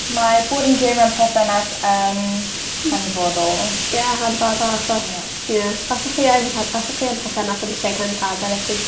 Mae bod yn joio mewn perthynas yn hanfodol. Ie hanfodol achos... Ie. ...ie os o'ch chi yn per- os o'ch chi yn perthynas yn y lle cynta dylech chi